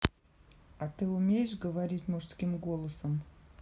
а ты умеешь говорить мужским голосом